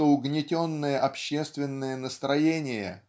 что угнетенное общественное настроение